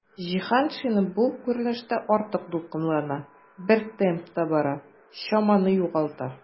Җиһаншина бу күренештә артык дулкынлана, бер темпта бара, чаманы югалта.